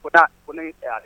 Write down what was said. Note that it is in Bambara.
Ko taa ko ne